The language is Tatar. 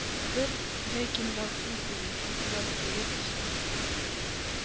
Бер ләкин, гафу итегез, ул бераз сәер кеше